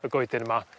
y goeden yma